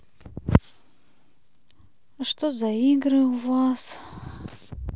а что за игры у вас